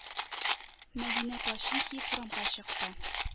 Мәдинә плащын киеп урамга чыкты.